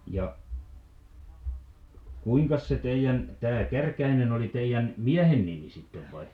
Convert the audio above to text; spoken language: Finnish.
ja kuinkas se teidän tämä Kärkkäinen oli teidän miehen nimi sitten vai